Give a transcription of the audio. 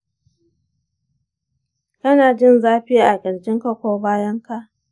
kana jin zafi a kirjinka ko bayanka?